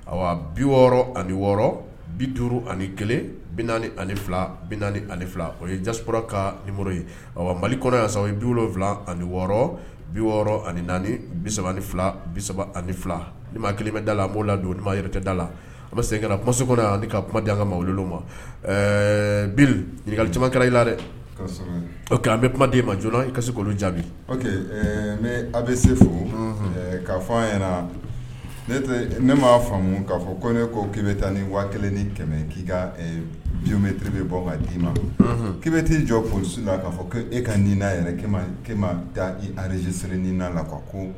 Ayiwa bi wɔɔrɔ ani wɔɔrɔ bi duuru ani kelen bi naani ani fila bi naani ani fila o ye ja ka ni ye mali kɔnɔ yan sa ye bi wolonwula ani wɔɔrɔ bi wɔɔrɔ ani naani bisa ni fila bisa ani fila ni ma kelen bɛ da la an b' la don o ma yɛrɛtɛ da la a bɛ se ka kumasi kɔnɔ yan ka kuma di an ka ma ma ɛɛ bi ɲininkagali caman kɛra i la dɛ an bɛ kumaden maj i ka se kolon jaabi que ne a bɛ se fo k'a fɔ an yɛrɛ ne ne m maa faamumu k'a fɔ ko ko kebe taa ni wa kelen ni kɛmɛ k'i ka bibe bɔ k'a d'i ma k kii bɛ ti jɔ psi la kaa fɔ e ka nin na ema taa i alizesiriri ni na kan ka ko